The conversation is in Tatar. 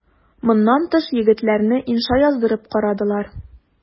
Моннан тыш егетләрне инша яздырып карадылар.